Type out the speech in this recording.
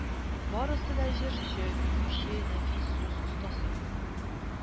Барысы да җырчы, биюче, нәфис сүз остасы